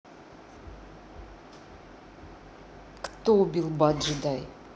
кто убил баджи дай